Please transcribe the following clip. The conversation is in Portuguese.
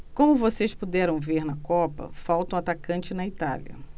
como vocês puderam ver na copa faltam atacantes na itália